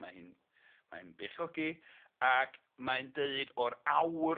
Mae hi'n mae'n beichiogi ag mae'n deud o'r awr